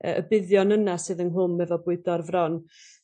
yy y buddion yna sydd ynghlwm efo bwydo o'r fron.